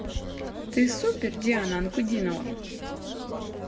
ты супер диана анкудинова